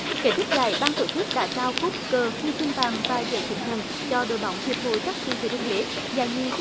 kết thúc giải ban tổ chức đã trao cúp cờ huy chương vàng và giấy chứng nhận cho đội bóng hiệp hội tắc xi thừa thiên huế giải nhì cho